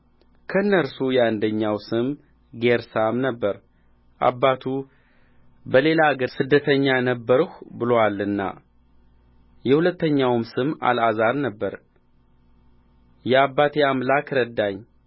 ከእነርሱ የአንደኛው ስም ጌርሳም ነበረ አባቱ በሌላ አገር ስደተኛ ነበርሁ ብሎአልና የሁለተኛውም ስም አልዓዛር ነበረ የአባቴ አምላክ ረዳኝ